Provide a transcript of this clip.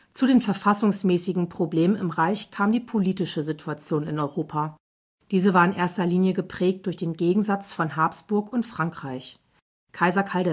Zu den verfassungsmäßigen Problemen im Reich kam die politische Situation in Europa. Diese war in erster Linie geprägt durch den Gegensatz von Habsburg und Frankreich. Kaiser Karl